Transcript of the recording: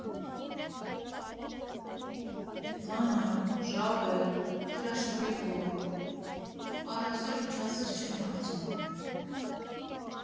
Դանակ, ժավել, թրաշի պրիբոռ՝ առ այսօր ինչ ասես չեն հարցնում։